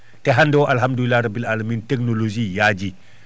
te hannde o alhamdulillah rabbil alamina technologie yaaji